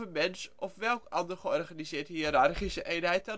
mens of welk ander georganiseerde hiërarchische eenheid